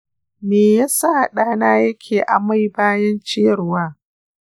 meyasa ɗa na yake amai bayan ciyarwa?